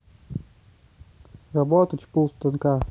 работа чпу станка